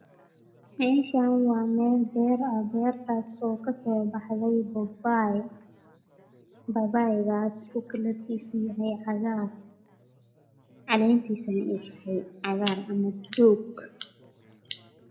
Meeshaan waa meel beer ah beertaas oo kasoo bax day ba baay ba baaygaas oo kalar kiisu yahay cagaar caleen tiisana tahay cagaar ama doog